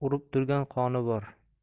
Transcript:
urib turgan qoni bor